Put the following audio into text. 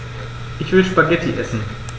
Ich will Spaghetti essen.